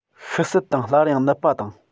བཤུ ཟད དང སླར ཡང ནུབ པ དང